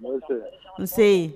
Nse